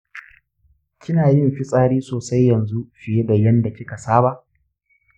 kina yin fitsari sosai yanzu fiye da yanda kika saba?